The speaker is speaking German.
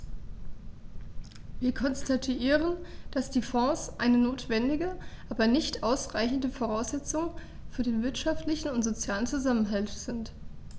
Wir konstatieren, dass die Fonds eine notwendige, aber nicht ausreichende Voraussetzung für den wirtschaftlichen und sozialen Zusammenhalt sind.